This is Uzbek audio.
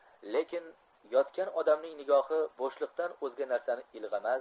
lekin yotgan odamning nigohi bo'shliqdan o'zga narsani ilg'amas